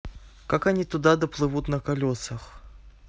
как они туда доплывут на колесах